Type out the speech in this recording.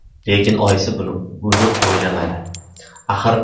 lekin oyisi buni o'ylamadi